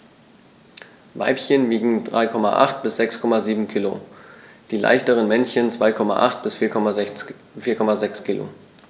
Weibchen wiegen 3,8 bis 6,7 kg, die leichteren Männchen 2,8 bis 4,6 kg.